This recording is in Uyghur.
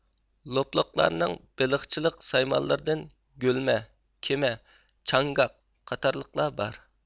لوپلۇقلارنىڭ بېلىقچىلىق سايمانلىرىدىن گۆلمە كېمە چاڭگاق قاتارلىقلار بار